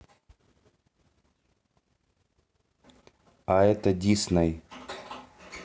а это disney